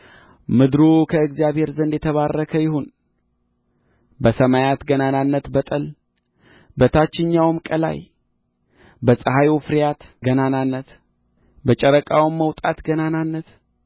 ምድሩ ከእግዚአብሔር ዘንድ የተባረከ ይሁን በሰማያት ገናንነት በጠል በታችኛውም ቀላይ በፀሐዩ ፍሬያት ገናንነት በጨረቃውም መውጣት ገናንነት